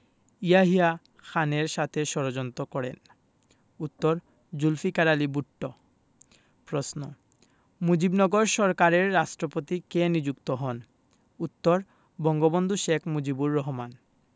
ইয়াহিয়া খানের সাথে ষড়যন্ত করেন উত্তরঃ জুলফিকার আলী ভুট্ট প্রশ্ন মুজিবনগর সরকারের রাষ্ট্রপতি কে নিযুক্ত হন উত্তর বঙ্গবন্ধু শেখ মুজিবুর রহমান